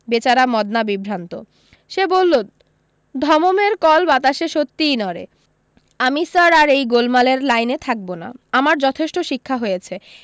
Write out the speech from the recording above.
বেচারা মদনা বিভ্রান্ত সে বললো ধমমের কল বাতাসে সত্যিই নড়ে আমি স্যার আর এই গোলমালের লাইনে থাকবো না আমার যথেষ্ট শিক্ষা হয়েছে